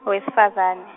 owes'fazane.